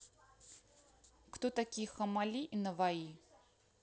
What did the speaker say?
кто такие hammali и navai